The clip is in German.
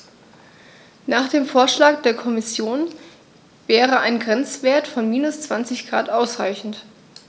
Nach dem Vorschlag der Kommission wäre ein Grenzwert von -20 ºC ausreichend.